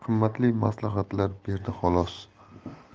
qimmatli maslahatlar berdi xolos